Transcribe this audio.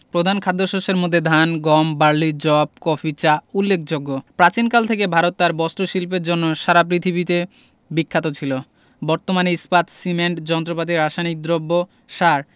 প্রধান খাদ্যশস্যের মধ্যে ধান গম বার্লি যব কফি চা উল্লেখযোগ্য প্রাচীনকাল হতে ভারত তার বস্ত্রশিল্পের জন্য সারা পৃথিবীতে বিখ্যাত ছিল বর্তমানে ইস্পাত সিমেন্ট যন্ত্রপাতি রাসায়নিক দ্রব্য সার